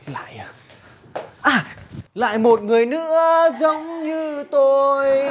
lại à lại một người nữa giống như tôi